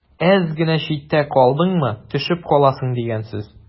Әз генә читтә калдыңмы – төшеп каласың дигән сүз.